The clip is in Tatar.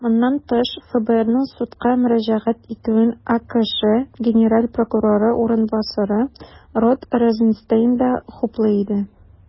Моннан тыш, ФБРның судка мөрәҗәгать итүен АКШ генераль прокуроры урынбасары Род Розенстейн да хуплый иде.